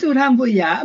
Ydw, rhan fwya.